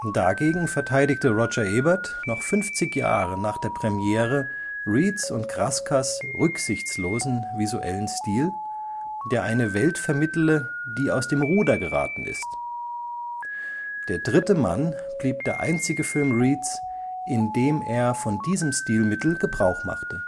Dagegen verteidigte Roger Ebert noch 50 Jahre nach der Premiere Reeds und Kraskers „ rücksichtslosen “visuellen Stil, der eine Welt vermittele, „ die aus dem Ruder geraten ist “.– Der dritte Mann blieb der einzige Film Reeds, in dem er von diesem Stilmittel Gebrauch machte